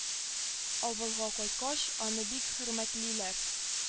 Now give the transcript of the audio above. Авылга кайткач аны бик хөрмәтлиләр